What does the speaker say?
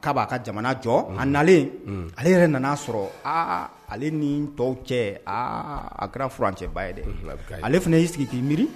Ka ba ka jamana jɔ a nalen ale yɛrɛ nana a sɔrɔ aa ale ni tɔw cɛ aa a kɛra furan cɛ ba ye dɛ ale fana yi sigi ki miiri